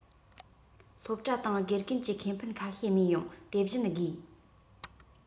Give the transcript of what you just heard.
སློབ གྲྭ དང དགེ རྒན གྱི ཁེ ཕན ཁ ཤས རྨས ཡོང དེ བཞིན དགོས